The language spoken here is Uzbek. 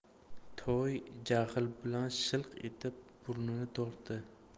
toy jahl bilan shilq etib burnini tortadi